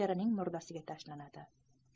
erining murdasiga tashlanadi